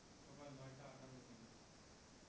সকাল ৯টা ৫৮মিনিট